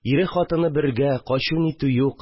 Ире-хатыны бергә, качу-нитү юк